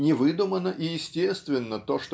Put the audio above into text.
не выдумано и естественно то